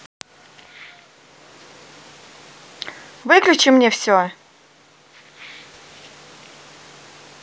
выключи мне все